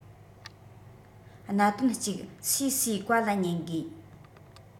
གནད དོན གཅིག སུས སུའི བཀའ ལ ཉན དགོས